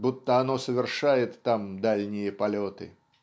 будто оно совершает там дальние полеты